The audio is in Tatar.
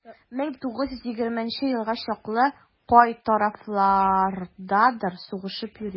1920 елга чаклы кай тарафлардадыр сугышып йөри.